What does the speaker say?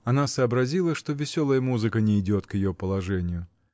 Она сообразила, что веселая музыка нейдет к ее положению.